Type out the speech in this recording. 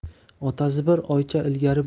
otasi bir oycha ilgari